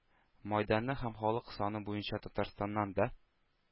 Мәйданы һәм халык саны буенча Татарстаннан да